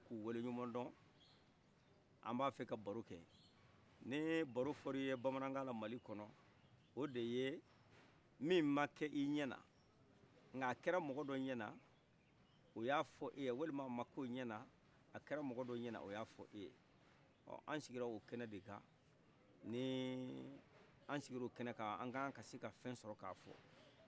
ku waleɲumandɔn an ba fɛ ka baro kɛ n'ye baro fɔr'ye bamanakana mali kɔnɔ o de ye min ma k'i ɲɛna nga kɛra mɔgɔdɔ ɲɛna o y'a fɔ e ye walima ak'o ɲɛna a kɛra mɔgɔdɔ ɲɛna oy'a fɔ e ye ɔ an sigi le o kɛnɛ min kan un an sigile o kɛnɛkan an kankan se ka fɛ sɔrɔ ka fɔ